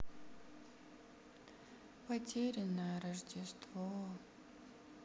потерянное рождество